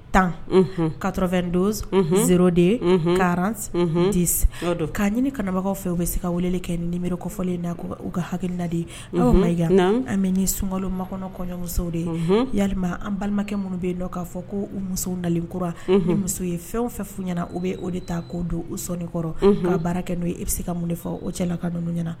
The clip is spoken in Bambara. Tan karɔfɛn don zo de k karan di k'a ɲini kɔnbagaw fɛ u bɛ se ka wele kɛ nibrifɔfɔlen na u ka hakilinadi an ma yan an bɛ sunkalo makɔnɔ kɔɲɔmuso de ye ya an balimakɛ minnu bɛ la k'a fɔ ko u muso nakura ni muso ye fɛn fɛn f ɲɛna u bɛ o de ta ko don u sɔnɔnikɔrɔ ka baara kɛ n'o ye e bɛ se ka mun de fɔ o cɛlala ka n ɲɛna